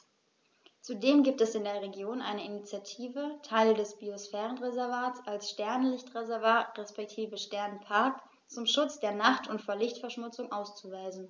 Zudem gibt es in der Region eine Initiative, Teile des Biosphärenreservats als Sternenlicht-Reservat respektive Sternenpark zum Schutz der Nacht und vor Lichtverschmutzung auszuweisen.